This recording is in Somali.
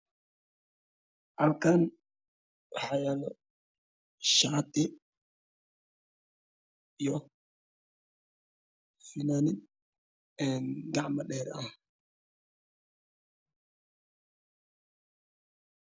Halkan waxa yalo shaati iyo funanad gacmo dheer ah